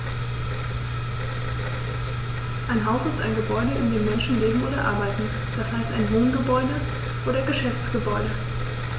Ein Haus ist ein Gebäude, in dem Menschen leben oder arbeiten, d. h. ein Wohngebäude oder Geschäftsgebäude.